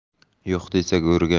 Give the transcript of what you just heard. yo'q desa go'rga